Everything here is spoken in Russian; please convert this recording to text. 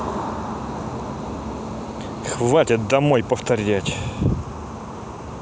хватит домой повторять